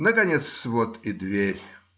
Наконец вот и дверь.